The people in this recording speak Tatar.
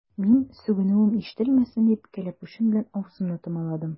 Мин, сүгенүем ишетелмәсен дип, кәләпүшем белән авызымны томаладым.